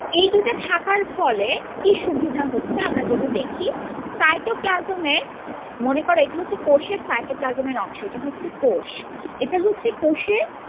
এই ২ টা থাকার ফলে কি সুবিধা হচ্ছে আমরা যদি দেখি সাইটোপ্লাজমের মনে করো এটা হচ্ছে কোষের সাইটোপ্লাজম এর অংশ এটা হচ্ছে কোষ এটা হচ্ছে কোষের